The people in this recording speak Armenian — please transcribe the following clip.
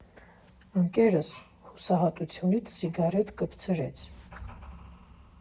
Ընկերս հուսահատությունից սիգարետ կպցրեց։